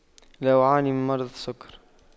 لا أعاني من مرض السكر